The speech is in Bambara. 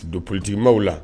Don politigi maaw la